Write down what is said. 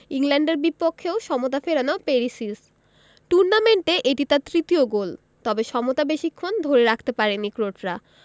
ইংল্যান্ডের বিপক্ষেও সমতা ফেরানো পেরিসিচ টুর্নামেন্টে এটি তার তৃতীয় গোল তবে সমতা বেশিক্ষণ ধরে রাখতে পারেনি ক্রোটরা